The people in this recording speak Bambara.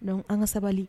Donc an ka sabali.